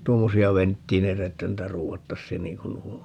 tuommoisia venttiileitä että ruuvattaisiin niin kuin nuo on